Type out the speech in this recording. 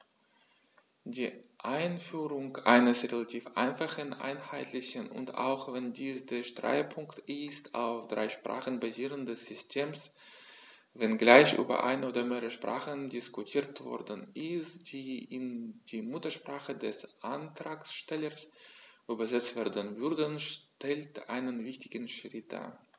Die Einführung eines relativ einfachen, einheitlichen und - auch wenn dies der Streitpunkt ist - auf drei Sprachen basierenden Systems, wenngleich über eine oder mehrere Sprachen diskutiert worden ist, die in die Muttersprache des Antragstellers übersetzt werden würden, stellt einen wichtigen Schritt dar.